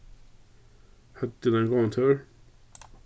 høvdu tit ein góðan túr